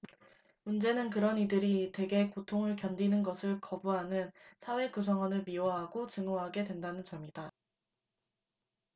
문제는 그런 이들이 대개 고통을 견디는 것을 거부하는 사회 구성원을 미워하고 증오하게 된다는 점이다